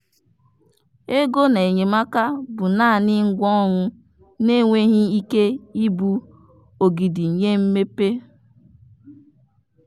Ego na enyemaka bụ naanị ngwaọrụ na enweghị ike ịbụ ogidi nye mmepe.